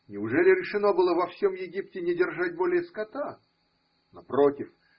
Неужели решено было во всем Египте не держать более скота? Напротив.